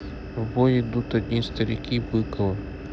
в бой идут одни старики быкова